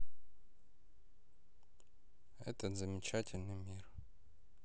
этот замечательный мир